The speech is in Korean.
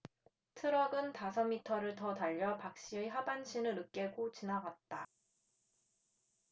트럭은 다섯 미터를 더 달려 박씨의 하반신을 으깨고 지나갔다